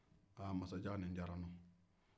ni diyara an nɔ masajan